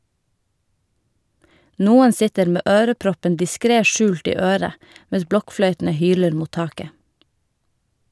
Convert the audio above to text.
Noen sitter med øreproppen diskret skjult i øret, mens blokkfløytene hyler mot taket.